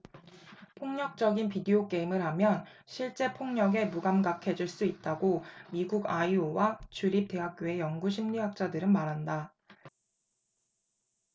폭력적인 비디오 게임을 하면 실제 폭력에 무감각해질 수 있다고 미국 아이오와 주립 대학교의 연구 심리학자들은 말한다